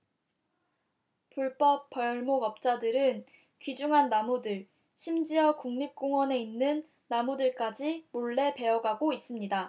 불법 벌목업자들은 귀중한 나무들 심지어 국립공원에 있는 나무들까지 몰래 베어 가고 있습니다